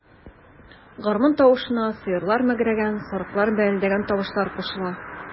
Гармун тавышына сыерлар мөгрәгән, сарыклар бәэлдәгән тавышлар кушыла.